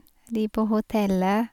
De på hotellet...